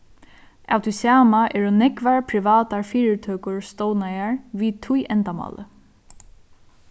av tí sama eru nógvar privatar fyritøkur stovnaðar við tí endamáli